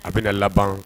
A bɛna laban